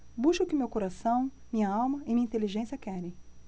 busco o que meu coração minha alma e minha inteligência querem